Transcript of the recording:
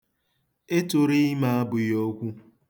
Ịtụrụ ime abụghị okwu.